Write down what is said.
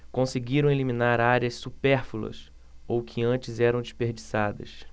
conseguiram eliminar áreas supérfluas ou que antes eram desperdiçadas